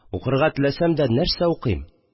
Укырга теләсәм дә, нәрсә укыйм